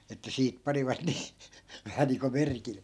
että siitä panivat niin vähän niin kuin merkille